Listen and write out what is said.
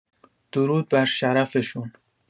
درود بر شرفشون.